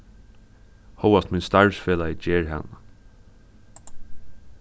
hóast mín starvsfelagi ger hana